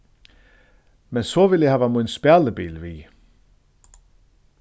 men so vil eg hava mín spælibil við